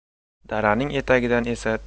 daraning etagidan esa